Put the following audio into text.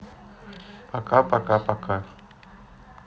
пока пока пока